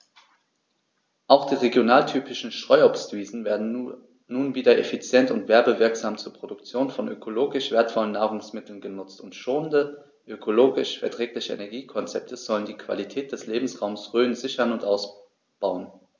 Auch die regionaltypischen Streuobstwiesen werden nun wieder effizient und werbewirksam zur Produktion von ökologisch wertvollen Nahrungsmitteln genutzt, und schonende, ökologisch verträgliche Energiekonzepte sollen die Qualität des Lebensraumes Rhön sichern und ausbauen.